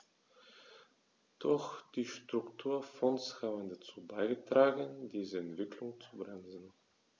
Doch die Strukturfonds haben dazu beigetragen, diese Entwicklung zu bremsen.